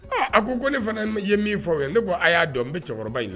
A ko ko ne fana ye min fɔ o ye ne ko a y'a dɔn n bɛ cɛkɔrɔba' la